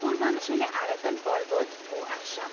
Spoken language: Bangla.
পূর্বাঞ্চলে আরাকান পর্বত ও আসাম